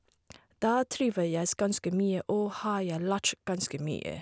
Der trive jegs ganske mye og har jeg lært ganske mye.